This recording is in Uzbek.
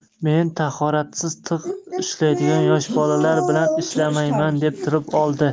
man tahoratsiz tig' ushlaydigan yosh bolalar bilan ishlamayman deb turib oldi